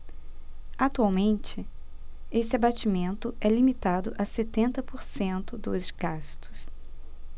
atualmente esse abatimento é limitado a setenta por cento dos gastos